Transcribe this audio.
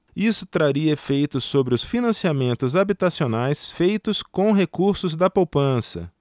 isso traria efeitos sobre os financiamentos habitacionais feitos com recursos da poupança